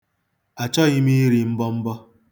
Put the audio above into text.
Achọghị m iri mbọmbọ.